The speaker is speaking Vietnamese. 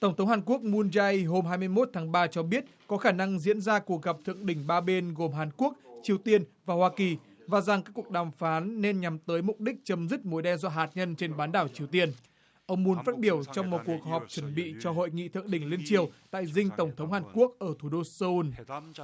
tổng thống hàn quốc mun giai hôm hai mươi mốt tháng ba cho biết có khả năng diễn ra cuộc gặp thượng đỉnh ba bên gồm hàn quốc triều tiên và hoa kỳ và rằng các cuộc đàm phán nên nhắm tới mục đích chấm dứt mối đe dọa hạt nhân trên bán đảo triều tiên ông mun phát biểu trong một cuộc họp chuẩn bị cho hội nghị thượng đỉnh liên triều tại dinh tổng thống hàn quốc ở thủ đô sơ un